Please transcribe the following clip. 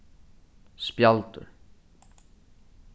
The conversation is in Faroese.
spjaldur